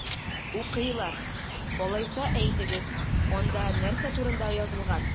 Укыйлар! Алайса, әйтегез, анда нәрсә турында язылган?